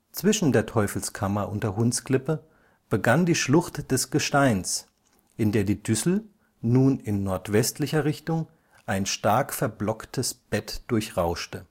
Zwischen der Teufelskammer und der Hundsklippe begann die Schlucht des Gesteins, in der die Düssel, nun in nordwestlicher Richtung, ein stark verblocktes Bett durchrauschte